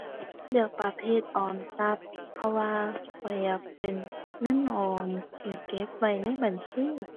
เลือกประเภทออมทรัพย์ เพราะว่าข้อยอยากเป็นเงินออม ได้เก็บไว้ในบัญชี